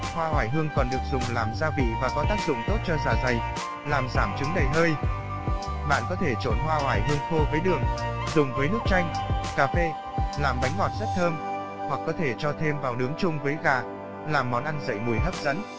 hoa oải hương còn được dùng làm gia vị và có tác dụng tốt cho dạ dày làm giảm chứng đầy hơi bạn có thể trộn hoa oải hương khô với đường dùng với nước chanh cà phê làm bánh ngọt rất thơm hoặc có thể cho thêm vào nướng chung với gà làm món ăn dậy mùi hấp dẫn